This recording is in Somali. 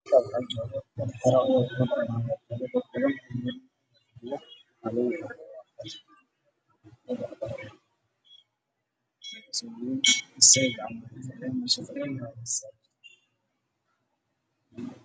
Niman meel masaajid ah fadhiyo